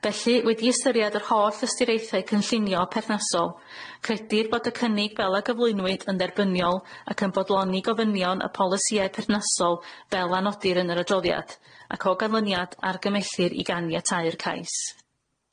Felly wedi ystyried yr holl ystiraethau cynllunio perthnasol credir bod y cynnig fel y gyflwynwyd yn dderbyniol ac yn bodloni gofynion y polisïau perthnasol fel anodir yn yr adroddiad ac o ganlyniad argymellir i ganiatáu'r cais.